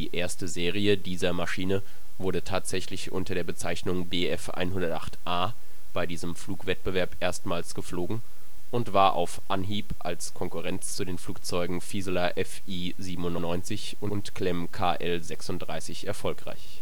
erste Serie dieser Maschine wurde tatsächlich unter der Bezeichnung Bf 108 A bei diesem Flugwettbewerb erstmals geflogen und war auf Anhieb als Konkurrenz zu den Flugzeugen Fieseler Fi 97 und Klemm Kl 36 erfolgreich